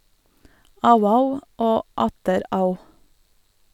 - Au-au, og atter au.